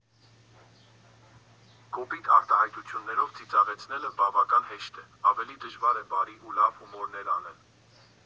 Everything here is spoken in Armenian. Կոպիտ արտահայտություններով ծիծաղեցնելը բավական հեշտ է, ավելի դժվար է բարի ու լավ հումորներ անել։